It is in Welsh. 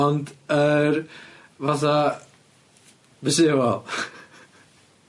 Ond yr fatha, be' sy